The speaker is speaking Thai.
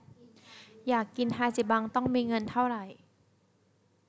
อยากกินฮาจิบังต้องมีเงินเท่าไร